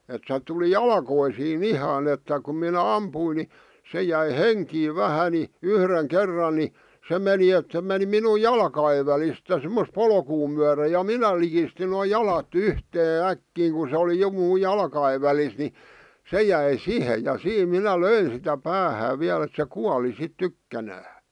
että se tuli jalkoihin ihan että kun minä ammuin niin se jäi henkiin vähän niin yhden kerran niin se meni että se meni minun jalkojen välistä ja semmoista polkua myöden ja minä likistin noin jalat yhteen äkkiä kun se oli jo minun jalkojen välissä niin se jäi siihen ja siinä minä löin sitä päähän vielä että se kuoli sitten tykkänään